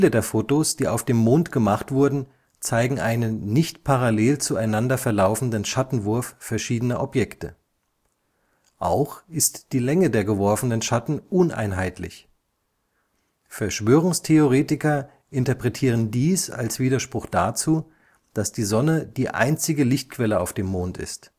der Fotos, die auf dem Mond gemacht wurden, zeigen einen nicht parallel zueinander verlaufenden Schattenwurf verschiedener Objekte. Auch ist die Länge der geworfenen Schatten uneinheitlich. Verschwörungstheoretiker interpretieren dies als Widerspruch dazu, dass die Sonne die einzige Lichtquelle auf dem Mond ist